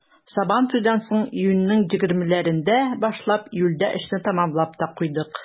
Сабантуйдан соң, июньнең 20-ләрендә башлап, июльдә эшне тәмамлап та куйдык.